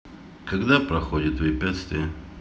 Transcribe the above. когда проходит препятствия